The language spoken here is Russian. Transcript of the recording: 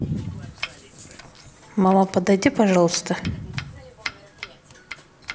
мама подойди пожалуйста